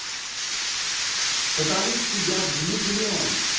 потому что я влюблен